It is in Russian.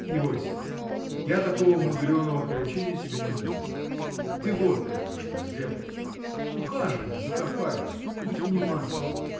Не бойся: я такого мудреного поручения тебе не дам. Ты вот только что сделай. Ухаживай за Тафаевой будь внимателен